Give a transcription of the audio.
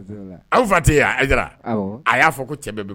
Aw fa a y'a fɔ ko cɛ bɛ